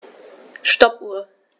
Stoppuhr.